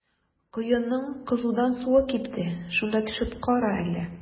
Коеның кызудан суы кипте, шунда төшеп кара әле.